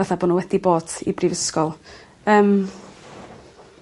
fathat bo' n'w wedi bot i brifysgol yym.